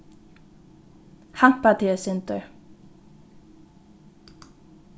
hampa teg eitt sindur